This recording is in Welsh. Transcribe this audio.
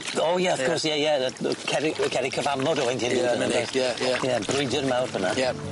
O ie wrth gwrs ie ie yy ceri- ceri cyfamod Owain Glyndwr . Ie ie. Ie. Ie brwydyr mawr fyn' 'na. Ie.n.